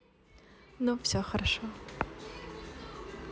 ну все хорошо